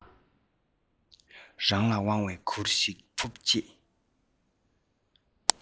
རང ལ དབང བའི གུར ཞིག ཕུབ རྗེས